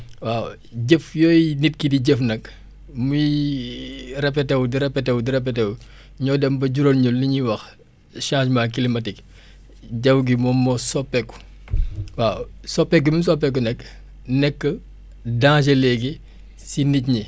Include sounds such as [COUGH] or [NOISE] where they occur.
waaw jëf yooyu nit ki di jëf nag muy [HESITATION] répété wu di répété wu di répété wu ñooy dem ba jural ñu li ñuy wax changement climatique jaww gi moom moo soppeeku [NOISE] waaw soppeeku gi mu soppeeku nag nekk danger léegi si nit ñi